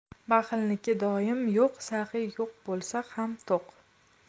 baxilniki doim yo'q saxiy yo'q bo'lsa ham to'q